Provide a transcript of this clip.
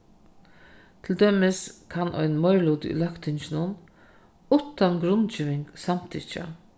til dømis kann ein meiriluti í løgtinginum uttan grundgeving samtykkja